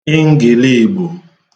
ngìliigbò